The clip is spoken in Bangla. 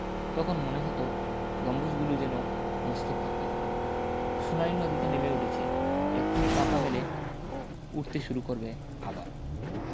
তখন মনে হতো গম্বুজগুলু যেন মস্ত পাখি সুনালি নদীতে নেমে উঠেছে এক্ষুনি পাখা মেলে উড়তে শুরু করবে আবার